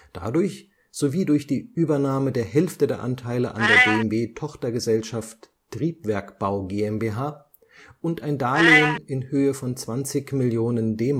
Dadurch sowie durch die Übernahme der Hälfte der Anteile an der BMW Tochtergesellschaft Triebwerkbau GmbH und ein Darlehen in Höhe von 20 Millionen DM